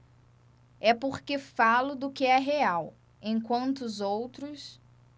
é porque falo do que é real enquanto os outros